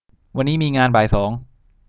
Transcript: วันนี้มีงานบ่ายสอง